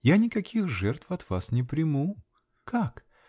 Я никаких жертв от вас не приму. Как?